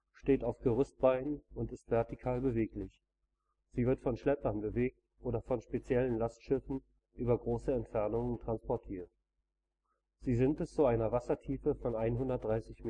steht auf Gerüstbeinen und ist vertikal beweglich. Sie wird von Schleppern bewegt oder von speziellen Lastschiffen über große Entfernungen transportiert. Sie sind bis zu einer Wassertiefe von 130 m